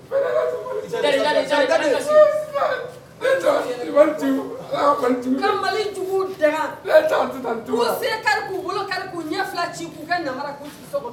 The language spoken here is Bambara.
pleure . I daje i daje, ka na kasi Kariu Mali jugu dan, k'u sen 2 kari bolo kari, k'u ɲɛ fila ci, k'u kɛ nanbara, k'u sigi so kɔnɔ.